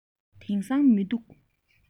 དེང སང མི འདུག